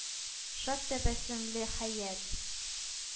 Шат тәбәссемле хәят?..